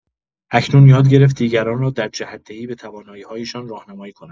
اکنون یاد گرفت دیگران را در جهت‌دهی به توانایی‌هایشان راهنمایی کند.